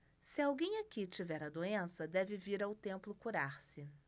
se alguém aqui tiver a doença deve vir ao templo curar-se